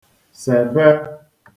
sèbe